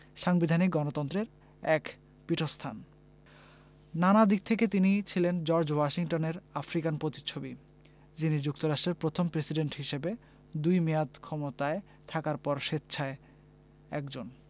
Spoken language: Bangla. সাংবিধানিক গণতন্ত্রের এক পীঠস্থান নানা দিক থেকে তিনি ছিলেন জর্জ ওয়াশিংটনের আফ্রিকান প্রতিচ্ছবি যিনি যুক্তরাষ্ট্রের প্রথম প্রেসিডেন্ট হিসেবে দুই মেয়াদ ক্ষমতায় থাকার পর স্বেচ্ছায় একজন